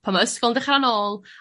pan ma' ysgol dechra nôl